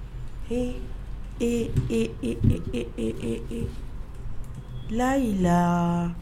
E e e layila